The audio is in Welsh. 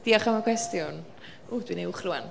Diolch am y cwestiwn. Ww dwi'n uwch rŵan.